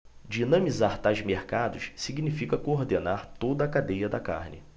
dinamizar tais mercados significa coordenar toda a cadeia da carne